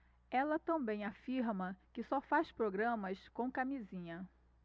ela também afirma que só faz programas com camisinha